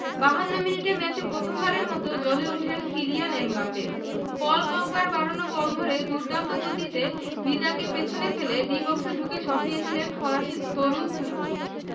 ৫২ মিনিটে ম্যাচে প্রথমবারের মতো জ্বলে উঠেন কিলিয়ান এমবাপ্পে পল পগবার বাড়ানো বল ধরে দুর্দান্ত গতিতে ভিদাকে পেছনে ফেলে ডি বক্সে ঢুকে শট নিয়েছিলেন ফরাসি তরুণ তুর্কি